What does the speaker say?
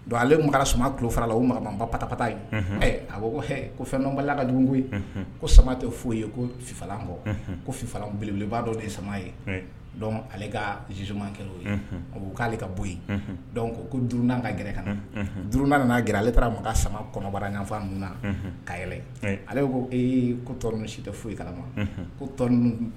Ale a ko fɛn ko sama tɛ foyi yelan kɔ kolanbeleba dɔ ye sama ye ale kazzumakɛ o ye a'u k'ale ka bɔ yen ko ko ka gɛrɛ ka na duna nana'a g ale taara makan sama kɔnɔbara ɲfaun na ka ale ko e ko si tɛ foyi kalama ko